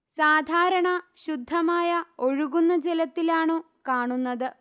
സാധാരണ ശുദ്ധമായ ഒഴുകുന്ന ജലത്തിലാണു കാണുന്നത്